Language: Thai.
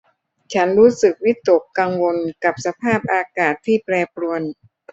ฉันรู้สึกวิตกกังวลกับสภาพอากาศที่แปรปรวน